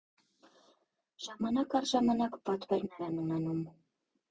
Ժամանակ առ ժամանակ պատվերներ են ունենում։